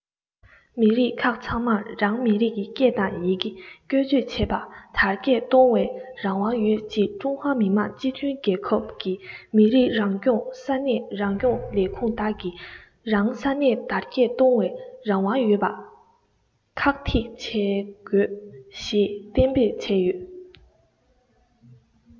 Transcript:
མི རིགས ཁག ཚང མར རང མི རིགས ཀྱི སྐད དང ཡི གེ བཀོལ སྤྱོད བྱེད པ དར རྒྱས གཏོང བའི རང དབང ཡོད ཅེས ཀྲུང ཧྭ མི དམངས སྤྱི མཐུན རྒྱལ ཁབ ཀྱི མི རིགས རང སྐྱོང ས གནས རང སྐྱོང ལས ཁུངས དག གིས རང ས གནས དར རྒྱས གཏོང བའི རང དབང ཡོད པ ཁག ཐེག བྱེད དགོས ཞེས གཏན འབེབས བྱས ཡོད